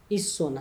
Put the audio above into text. I sɔnna